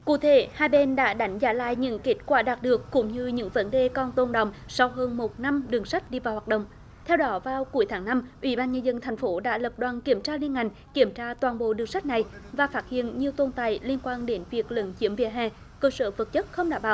cụ thể hai bên đã đánh giá lại những kết quả đạt được cũng như những vấn đề còn tồn đọng sau hơn một năm đường sắt đi vào hoạt động theo đó vào cuối tháng năm ủy ban nhân dân thành phố đã lập đoàn kiểm tra liên ngành kiểm tra toàn bộ đường sắt này và phát hiện nhiều tồn tại liên quan đến việc lấn chiếm vỉa hè cơ sở vật chất không đảm bảo